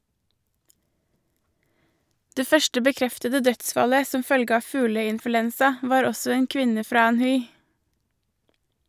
Det første bekreftede dødsfallet som følge av fugleinfluensa var også en kvinne fra Anhui.